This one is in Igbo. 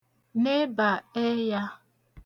nebà ẹyā